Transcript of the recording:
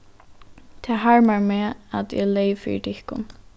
tað harmar meg at eg leyg fyri tykkum